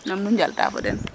nam nu njalta fo den